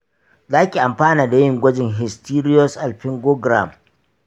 zaki anfana da yin gwajin hysteriosalpingogram.